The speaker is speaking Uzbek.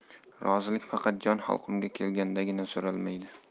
rozilik faqat jon halqumga kelgandagina so'ralmaydi